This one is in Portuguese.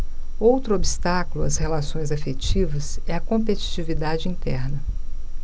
outro obstáculo às relações afetivas é a competitividade interna